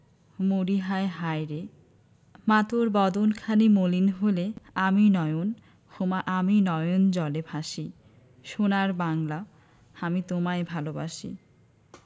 মরিহায় হায়রে মা তোর বদন খানি মলিন হলে ওমা আমি নয়ন ওমা আমি নয়ন জলে ভাসি সোনার বাংলা আমি তোমায় ভালবাসি